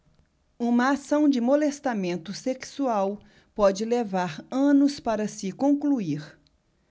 uma ação de molestamento sexual pode levar anos para se concluir